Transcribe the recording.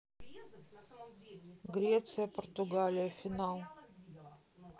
греция португалия финал